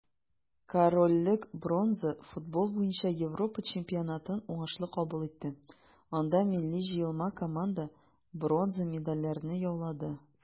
Корольлек бронза футбол буенча Европа чемпионатын уңышлы кабул итте, анда милли җыелма команда бронза медальләрне яулады.